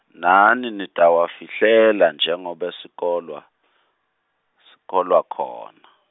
nani nitawafihlela njengoba sikolwa , sikolwa khona.